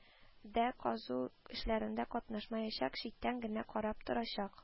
Дә, казу эшләрендә катнашмаячак, читтән генә карап торачак